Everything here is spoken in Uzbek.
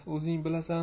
o'zing bilasan